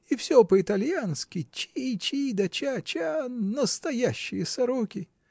И все по-итальянски: чи-чи да ча-ча, настоящие сороки.